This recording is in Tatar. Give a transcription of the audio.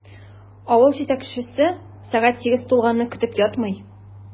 Авыл җитәкчесе сәгать сигез тулганны көтеп ятмый.